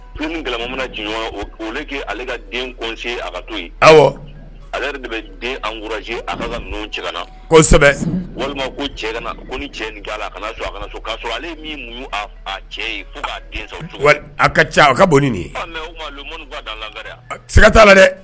Gama min na j o ale ka dense a ka ayiwa ale yɛrɛ de bɛ den ankura a cɛ na kosɛbɛ walima ko cɛ ni cɛ' la k ale min cɛ sɔrɔ a ka ca a ka bon nin ye sɛgɛ taa dɛ